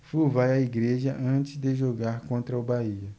flu vai à igreja antes de jogar contra o bahia